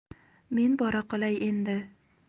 men bora qolay endi